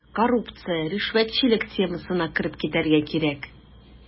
Коррупция, ришвәтчелек темасына кереп китәргә кирәк.